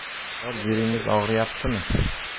biror yeringiz og'riyaptimi